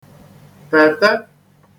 tète